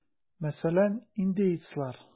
Мәсәлән, индеецлар.